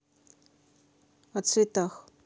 о цветах